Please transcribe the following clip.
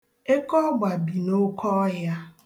Ekeọgba bi na okeọhịa